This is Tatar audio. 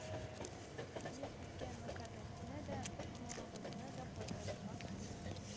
Мин сезгә Мөкаддәсне дә, моңыбызны да кайтарырга сүз